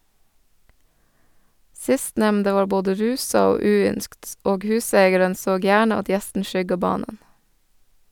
Sistnemnde var både rusa og uynskt, og huseigaren såg gjerne at gjesten skygga banen.